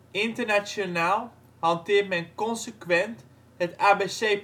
Internationaal hanteert men consequent het ABC-protocol